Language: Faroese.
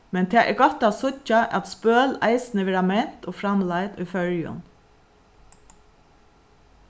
men tað er gott at síggja at spøl eisini verða ment og framleidd í føroyum